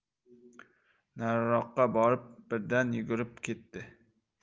nariroqqa borib birdan yugurib ketdi